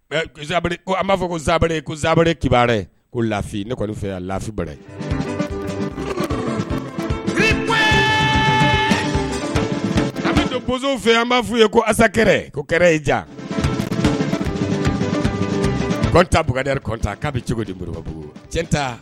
B'a fɔ kosaaabanri kibarɛ ko lafi ne kɔni fɛ lafi bara an fɛ yan an b'a fɔ ye kosa ko' ja kɔnta bkarida kɔn k'a bɛ cogo dibabugu tiɲɛyita